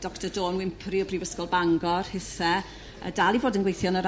Doctor Dawn Wympri o brifysgol Bangor hithe yrr dal i fod yn gweithio yn yr